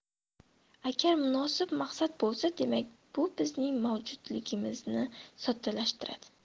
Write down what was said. agar munosib maqsad bo'lsa demak bu bizning mavjudligimizni soddalashtiradi